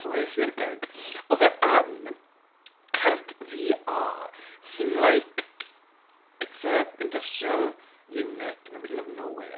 So es i'r gig oedd e yn cult VR sy'n in like, it's a industrial unit in the middle of nowhere.